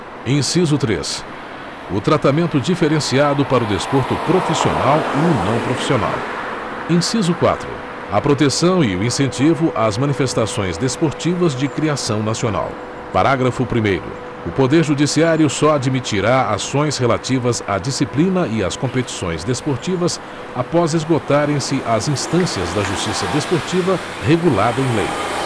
inciso três o tratamento diferenciado para o desporto profissional e o não profissional inciso quatro a proteção e o incentivo às manifestações desportivas de criação nacional parágrafo primeiro o poder judiciário só admitirá ações relativas à disciplina e às competições desportivas após esgotarem se as instâncias da justiça desportiva regulada em lei